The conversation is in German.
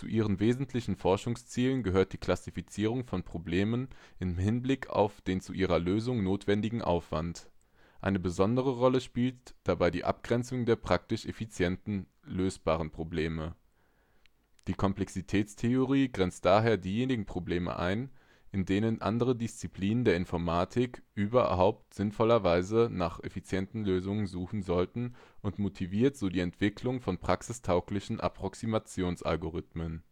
ihren wesentlichen Forschungszielen gehört die Klassifizierung von Problemen im Hinblick auf den zu ihrer Lösung notwendigen Aufwand. Eine besondere Rolle spielt dabei die Abgrenzung der praktisch effizient lösbaren Probleme. Die Komplexitätstheorie grenzt daher diejenigen Probleme ein, in denen andere Disziplinen der Informatik überhaupt sinnvollerweise nach effizienten Lösungen suchen sollten und motiviert so die Entwicklung von praxistauglichen Approximationsalgorithmen